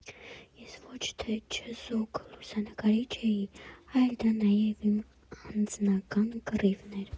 Ես ոչ թե չեզոք լուսանկարիչ էի, այլ դա նաև իմ անձնական կռիվն էր։